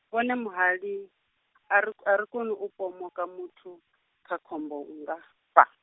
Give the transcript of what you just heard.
vhone muhali, a ri a ri koni u pomoka muthu, kha khombo nngafha.